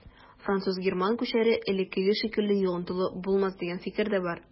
Француз-герман күчәре элеккеге шикелле йогынтылы булмас дигән фикер дә бар.